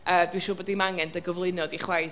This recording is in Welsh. yy dwi'n siŵr bod dim angen dy gyflwyno di chwaith.